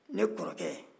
ne kɔrɔkɛ